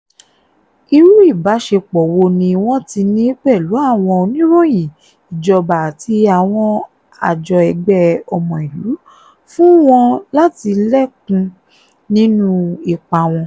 Irú ìbáṣepọ̀ wo ni wọ́n ti ní pẹ̀lú àwọn oníròyìn, ìjọba, àti àwọn àjọ ẹgbẹ́ ọmọ ìlú fún wọn láti lékún nínú ipa wọn?